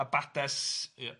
...abad-es... Ia.